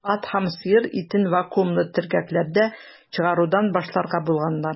Ат һәм сыер итен вакуумлы төргәкләрдә чыгарудан башларга булганнар.